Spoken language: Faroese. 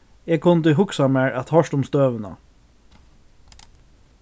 eg kundi hugsað mær at hoyrt um støðuna